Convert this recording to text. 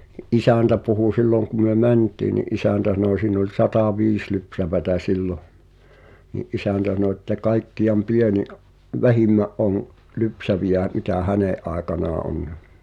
niin isäntä puhui silloin kun me mentiin niin isäntä sanoi siinä oli sataviisi lypsävää silloin niin isäntä sanoi että kaikkein pienin vähimmän on lypsäviä mitä hänen aikanaan on